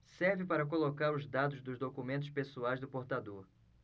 serve para colocar os dados dos documentos pessoais do portador